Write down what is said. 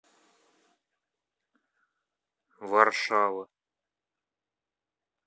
варшава